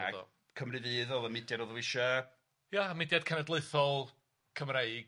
A Cymru Fudd o'dd y mudiad odd eisiau... Ia, mudiad cenedlaethol Cymreig